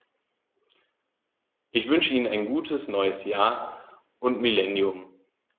Ich wünsche Ihnen ein gutes neues Jahr und Millennium.